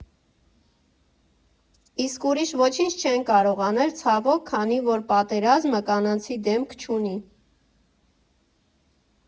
Իսկ ուրիշ ոչինչ չեն կարող անել, ցավոք, քանի որ պատերազմը կանացի դեմք չունի։